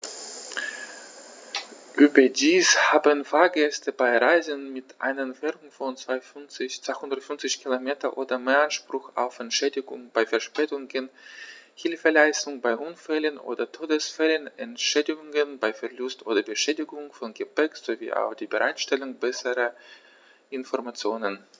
Überdies haben Fahrgäste bei Reisen mit einer Entfernung von 250 km oder mehr Anspruch auf Entschädigung bei Verspätungen, Hilfeleistung bei Unfällen oder Todesfällen, Entschädigung bei Verlust oder Beschädigung von Gepäck, sowie auf die Bereitstellung besserer Informationen.